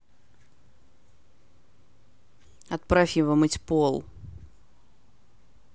отправь его мыть пол